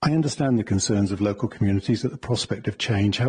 I understand the concerns of local communities at the prospect of change.